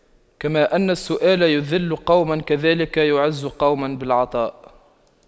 كما أن السؤال يُذِلُّ قوما كذاك يعز قوم بالعطاء